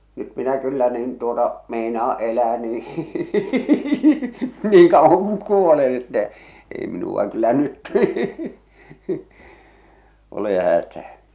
nyt minä kyllä niin tuota meinaan elää niin niin kauan kun kuolen että ei minua kyllä nyt ole hätää